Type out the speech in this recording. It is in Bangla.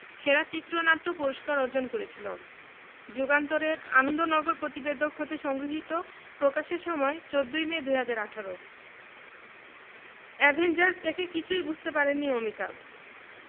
সেরা চিত্রনাট্য পুরস্কার অর্জন করেছিল যুগান্তর এর আনন্দনগর প্রতিবেদক হতে সংগৃহীত প্রকাশের সময় ১৪ মে ২০১৮ অ্যাভেঞ্জার্স দেখে কিছুই বুঝতে পারেননি অমিতাভ